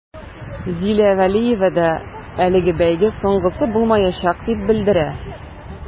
Зилә вәлиева да әлеге бәйге соңгысы булмаячак дип белдерә.